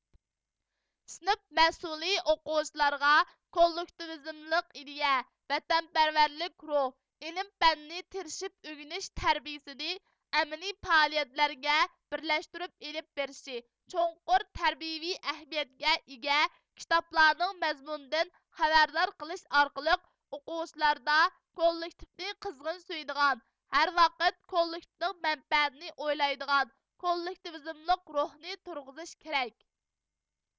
سىنىپ مەسئۇلى ئوقۇغۇچىلارغا كوللېكتىۋىزىملىق ئىدىيە ۋەتەنپەرەرلىك روھ ئىلىم پەننى تىرىشىپ ئۆگىنىش تەربىيىسىنى ئەمەلىي پائالىيەتلەرگە بىرلەشتۈرۈپ ئېلىپ بېرىشى چوڭقۇر تەربىيىۋى ئەھمىيەتكە ئىگە كىتابلارنىڭ مەزمۇنىدىن خەۋەردار قىلىش ئارقىلىق ئوقۇغۇچىلاردا كوللىكتىپىنى قىزغىن سۆيىدىغان ھەرۋاقىت كوللېكتىپىنىڭ مەنپەئەتىنى ئويلايدىغان كوللېكتىۋىزملىق روھىنى تۇرغۇزۇش كېرەك